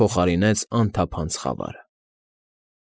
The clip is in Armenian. Փոխարինեց անթափանց խավարը։